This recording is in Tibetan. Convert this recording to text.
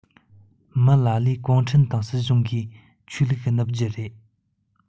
མི ལ ལས གུང ཁྲན ཏང མི དམངས སྲིད གཞུང གིས ཆོས ལུགས བསྣུབ རྒྱུ རེད